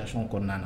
Action kɔnɔna na